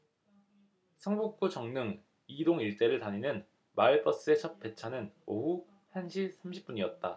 성북구 정릉 이 동 일대를 다니는 마을버스의 첫 배차는 오후 한 시 삼십 분이었다